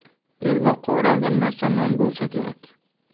belboqqa o'ralgan narsa non bo'lsa kerak